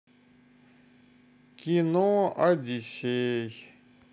кино одиссей